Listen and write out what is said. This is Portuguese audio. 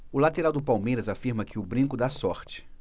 o lateral do palmeiras afirma que o brinco dá sorte